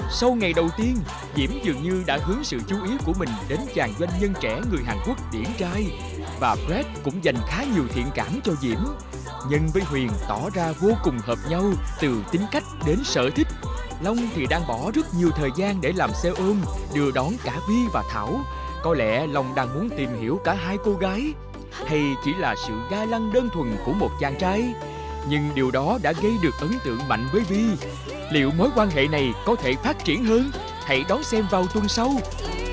sau ngày đầu tiên diễm dường như đã hướng sự chú ý của mình đến chàng doanh nhân trẻ người hàn quốc điển trai và cờ rét cũng dành khá nhiều thiện cảm cho diễm nhân với huyền tỏ ra vô cùng hợp nhau từ tính cách đến sở thích long thì đang bỏ rất nhiều thời gian để làm xe ôm đưa đón cả vy và thảo có lẽ long đang muốn tìm hiểu cả hai cô gái hay chỉ là sự ga lăng đơn thuần của một chàng trai nhưng điều đó đã gây được ấn tượng mạnh với vy liệu mối quan hệ này có thể phát triển hơn hãy đón xem vào tuần sau